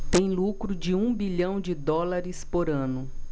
tem lucro de um bilhão de dólares por ano